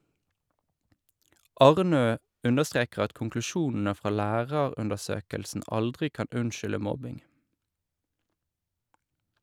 Arnø understreker at konklusjonene fra lærerundersøkelsen aldri kan unnskylde mobbing.